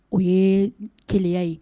O ye keleya ye.